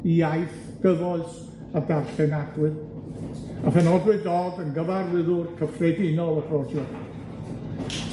Iaith, gyfoes a darllenadwy, a phenodwyd Dodd yn gyfarwyddwr cyffredinol y prosiect,